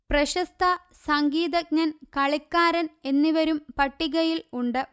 പ്രശസ്ത സംഗീതജ്ഞൻ കളിക്കാരൻ എന്നിവരും പട്ടികയിൽ ഉണ്ട്